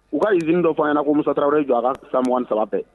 U ka ziiri dɔ fɔ ɲɛna ko musatarawre jɔ san m saba bɛɛ